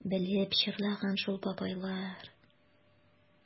Белеп җырлаган шул бабайлар...